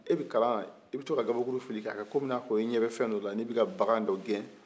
a bɛ kalan na e bɛ to ka gabakuru fili k'a kɛ i n'a fɔ e ɲɛ bɛ fɛn n'i bɛ ka bagan dɔ gɛn